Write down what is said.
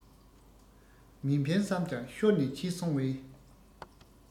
མི འཕེན བསམ ཀྱང ཤོར ནས ཕྱིན སོང བས